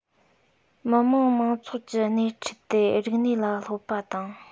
མི དམངས མང ཚོགས ཀྱི སྣེ ཁྲིད དེ རིག གནས ལ སློབ པ དང